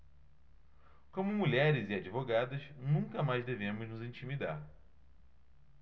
como mulheres e advogadas nunca mais devemos nos intimidar